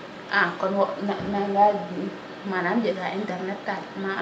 a kon wo nanga manaam jega internet dal